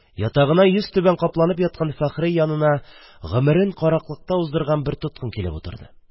Ятагына йөзтүбән капланып яткан Фәхри янына гомерен караклыкта уздырган бер тоткын килеп утырды.